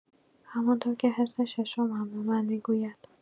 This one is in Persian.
همان‌طور که حس ششمم به من می‌گوید